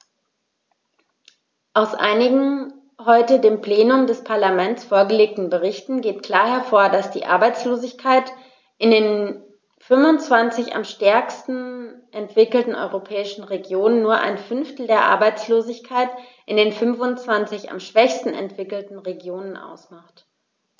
Aus einigen heute dem Plenum des Parlaments vorgelegten Berichten geht klar hervor, dass die Arbeitslosigkeit in den 25 am stärksten entwickelten europäischen Regionen nur ein Fünftel der Arbeitslosigkeit in den 25 am schwächsten entwickelten Regionen ausmacht.